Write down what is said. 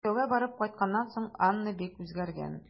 Мәскәүгә барып кайтканнан соң Анна бик үзгәргән.